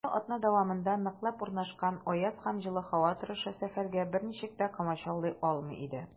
Соңгы атна дәвамында ныклап урнашкан аяз һәм җылы һава торышы сәфәргә берничек тә комачаулый алмый иде.